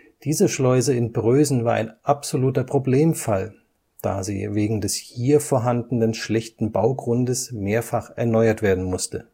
Diese Schleuse in Prösen war ein absoluter Problemfall, da sie wegen des hier vorhandenen schlechten Baugrundes mehrfach erneuert werden musste